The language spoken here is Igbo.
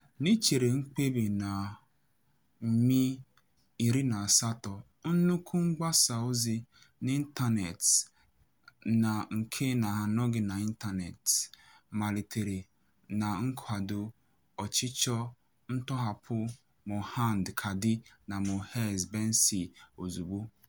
N'ichere mkpebi na Mee 18, nnukwu mgbasaozi n'ịntanetị na nke na-anọghị n'ịntanetị malitere na nkwado ọchịchọ ntọhapụ Mohand Kadi na Moez Benncir ozugbo.